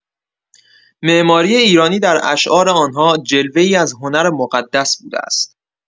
معماری ایرانی در اشعار آن‌ها، جلوه‌ای از هنر مقدس بوده است.